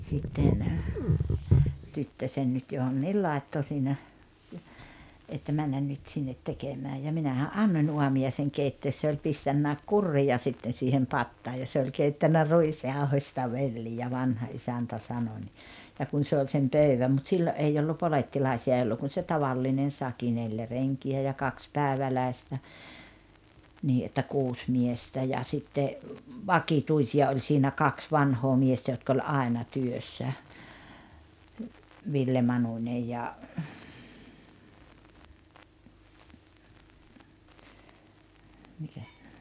sitten tyttösen nyt johonkin laittoi siinä - että mennä nyt sinne tekemään ja minähän annoin aamiaisen keittää se oli pistänytkin kurria sitten siihen pataan ja se oli keittänyt ruisjauhosta velliä vanha isäntä sanoi niin ja kun se oli sen pöydän mutta silloin ei ollut polettilaisia ei ollut kuin se tavallinen sakki neljä renkiä ja kaksi päiväläistä niin että kuusi miestä ja sitten vakituisia oli siinä kaksi vanhaa miestä jotka oli aina työssä Ville Manunen ja mikä